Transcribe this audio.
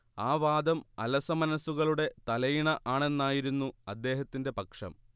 ആ വാദം അലസമനസ്സുകളുടെ തലയിണ ആണെന്നായിരുന്നു അദ്ദേഹത്തിന്റെ പക്ഷം